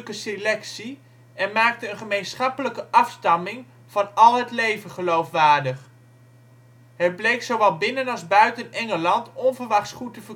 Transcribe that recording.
selectie en maakte een gemeenschappelijke afstamming van al het leven geloofwaardig. Het bleek zowel binnen als buiten Engeland onverwachts goed